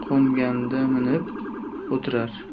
qo'nganda minib o'tirar